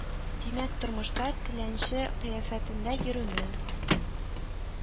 Димәк, тормышта теләнче кыяфәтендә йөрүне